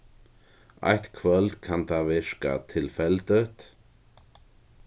eitt kvøld kann tað virka tilfeldigt